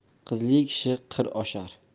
qizli kishi qir oshar